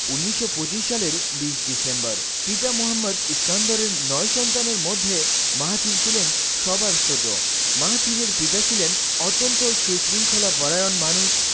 ১৯২৫ সালের ২০ ডিসেম্বর পিতাঃ মোঃ ইস্কান্দরের নয় সন্তানের মধ্যে মাহাথির ছিলেন সবার ছোট মাহাথিরের পিতা ছিলেন অত্যন্ত সুশৃঙ্খলা পরায়ণ মানুষ